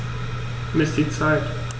Miss die Zeit.